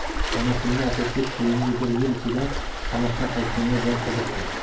ana shunda asadbek keyingi bir yil ichida qamoqdan qaytganlar bilan qiziqdi